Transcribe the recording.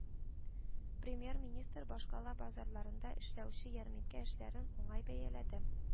Премьер-министр башкала базарларында эшләүче ярминкә эшләрен уңай бәяләде